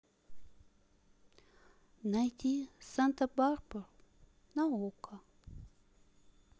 найди санта барбару на окко